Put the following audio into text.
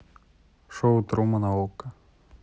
шоу трумана окко